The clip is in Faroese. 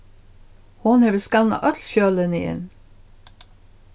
hon hevur skannað øll skjølini inn